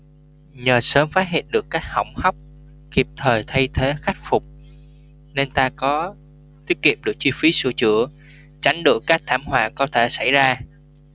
nhờ sớm phát hiện được các hỏng hóc kịp thời thay thế khắc phục nên ta có tiết kiệm được chi phí sửa chữa tránh được các thảm họa có thể xấy ra